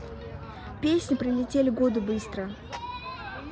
песня пролетели годы быстро